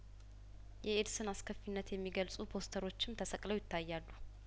የኤድስን አስከፊነት የሚገልጹ ፖስተሮችም ተሰቅለው ይታያሉ